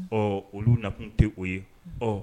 Ɔ olu nakun tɛ o ye ɔ